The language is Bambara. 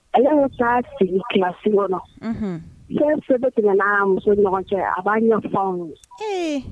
Ala taa sigi ki su kɔnɔ fɛn bɛ tigɛ n'a muso ɲɔgɔn cɛ a b'a ɲɔ fɔ minɛ